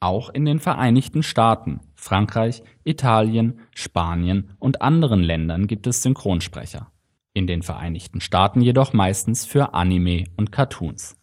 Auch in den Vereinigten Staaten, Frankreich, Italien, Spanien und anderen Ländern gibt es Synchronsprecher, in den Vereinigten Staaten jedoch meistens für Anime und Cartoons